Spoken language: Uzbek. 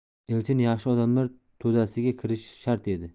elchin yaxshi odamlar to'dasiga kirishi shart edi